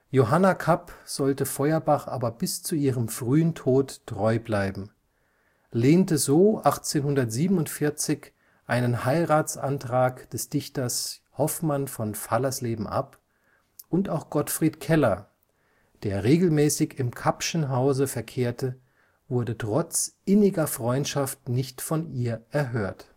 Johanna Kapp sollte Feuerbach aber bis zu ihrem frühen Tod treu bleiben, lehnte so 1847 einen Heiratsantrag des Dichters Hoffmann von Fallersleben ab, und auch Gottfried Keller, der regelmäßig im Kappschen Hause verkehrte, wurde trotz inniger Freundschaft nicht von ihr erhört